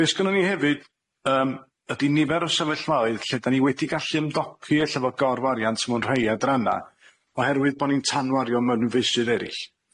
Be' sgynnon ni hefyd yym ydi nifer o sefyllfaoedd lle 'dan ni wedi gallu ymdopi ella fo gorwariant mewn rhai adranna oherwydd bo' ni'n tanwario mewn feysydd eryll.